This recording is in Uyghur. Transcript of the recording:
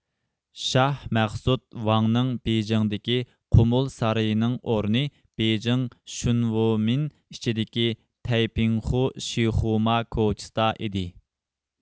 شاھ مەخسۇت ۋاڭنىڭ بېيجىڭدىكى قۇمۇل سارىيى نىڭ ئورنى بېيجىڭ شۈنۋومىن ئىچىدىكى تەيپىڭخۇ شىخۇما كوچىسىدا ئىدى